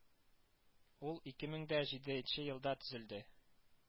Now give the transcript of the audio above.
Ул ике мең дә җиденче елда төзелде